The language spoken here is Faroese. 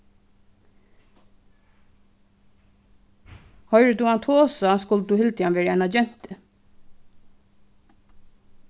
hoyrir tú hann tosa skuldi tú hildið hann verið eina gentu